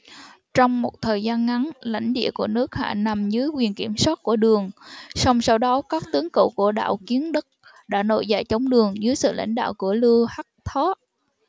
trong một thời gian ngắn lãnh địa của nước hạ nằm dưới quyền kiểm soát của đường song sau đó các bộ tướng cũ của đậu kiến đức đã nổi dậy chống đường dưới sự lãnh đạo của lưu hắc thát